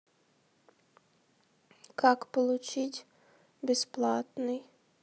как получить бесплатный